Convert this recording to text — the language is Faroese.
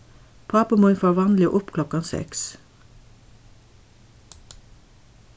pápi mín fór vanliga upp klokkan seks